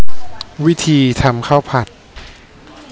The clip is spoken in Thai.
วิธีทำข้าวผัด